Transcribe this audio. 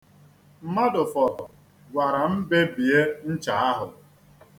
Madụfọrọ gwara m bebie ncha ahụ.